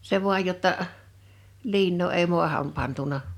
se vain jotta - liinaa ei maahan pantu